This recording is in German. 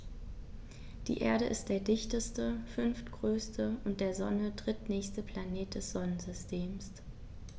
Die Erde ist der dichteste, fünftgrößte und der Sonne drittnächste Planet des Sonnensystems.